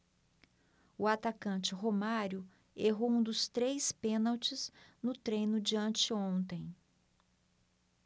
o atacante romário errou um dos três pênaltis no treino de anteontem